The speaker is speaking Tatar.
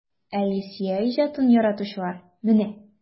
Ә Илсөя иҗатын яратучылар менә!